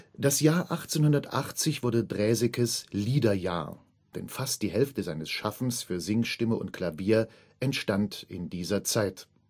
Das Jahr 1880 wurde Draesekes „ Liederjahr “, denn fast die Hälfte seines Schaffens für Singstimme und Klavier entstand in dieser Zeit